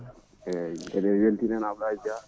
eyyi kadi mi weltini hen Ablaye Dia